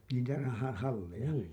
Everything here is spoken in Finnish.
niitä - halleja